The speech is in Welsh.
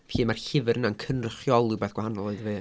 Felly mae'r llyfr yna'n cynrychioli wbath gwahanol iddi fi.